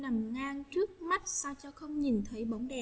phim nằm ngang trước mắt sao không nhìn thấy bóng